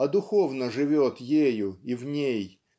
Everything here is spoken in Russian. а духовно живет ею и в ней